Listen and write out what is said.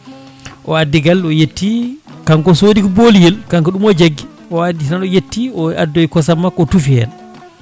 o addi galle o yetti kanko soodi ko boliyel kanko ko ɗum o jaggui o addi tan o yetti o addoyi kosam makko o tuufi hen